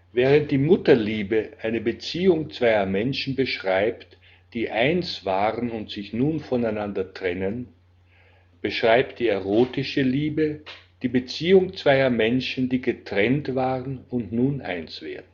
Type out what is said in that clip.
Während die Mutterliebe eine Beziehung zweier Menschen beschreibt, die eins waren und sich nun voneinander trennen, beschreibt die erotische Liebe die Beziehung zweier Menschen, die getrennt waren und nun eins werden